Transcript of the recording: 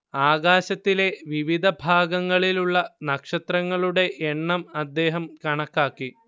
ആകാശത്തിലെ വിവിധ ഭാഗങ്ങളിലുള്ള നക്ഷത്രങ്ങളുടെ എണ്ണം അദ്ദേഹം കണക്കാക്കി